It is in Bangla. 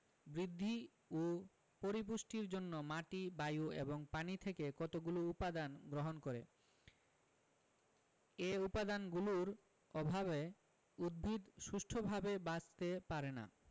বৃদ্ধি ও পরিপুষ্টির জন্য মাটি বায়ু এবং পানি থেকে কতগুলো উপদান গ্রহণ করে এ উপাদানগুলোর অভাবে উদ্ভিদ সুষ্ঠুভাবে বাঁচতে পারে না